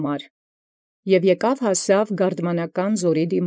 Կորյուն Եւ հանդէպ հասեալ գայր Գարդմանական ձորոյն։